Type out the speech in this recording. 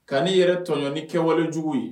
Kai yɛrɛ tɔɲɔgɔnɔni kɛwale jugu ye